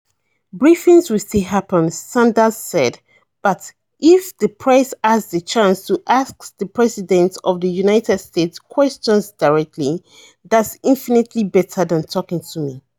Briefings will still happen, Sanders said, but "if the press has the chance to ask the president of the United States questions directly, that's infinitely better than talking to me.